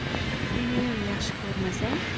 meniyam yaxshi ko'rmasang